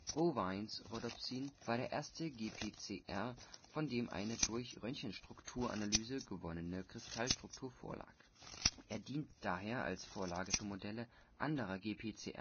Bovines Rhodopsin war der erste GPCR, von dem eine durch Röntgenstrukturanalyse gewonnene Kristallstruktur vorlag. Er dient daher als Vorlage für Modelle anderer GPCRs